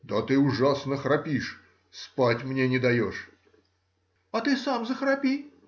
— Да ты ужасно храпишь: спать мне не даешь. — А ты сам захрапи.